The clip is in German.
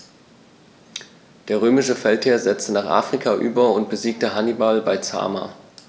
Der römische Feldherr setzte nach Afrika über und besiegte Hannibal bei Zama.